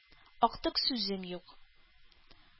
— актык сүзем юк.